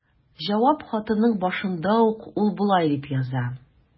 Җавап хатының башында ук ул болай дип яза.